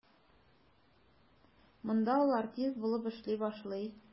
Монда ул артист булып эшли башлый.